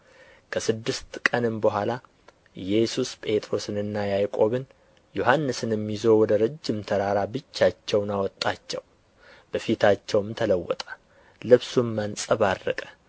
ከስድስት ቀንም በኋላ ኢየሱስ ጴጥሮስንና ያዕቆብን ዮሐንስንም ይዞ ወደ ረጅም ተራራ ብቻቸውን አወጣቸው በፊታቸውም ተለወጠ ልብሱም አንጸባረቀ